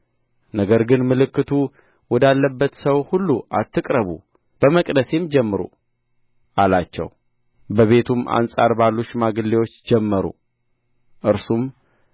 ነገር ግን ምልክቱ ወዳለበት ሰው ሁሉ አትቅረቡ በመቅደሴም ጀምሩ አላቸው በቤቱም አንጻር ባሉ ሽማግሌዎች ጀመሩ እርሱም